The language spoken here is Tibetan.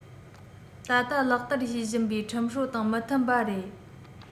ད ལྟ ལག བསྟར བྱེད བཞིན པའི ཁྲིམས སྲོལ དང མི མཐུན པ རེད